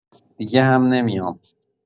دیگه هم نمیام